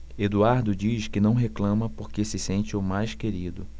eduardo diz que não reclama porque se sente o mais querido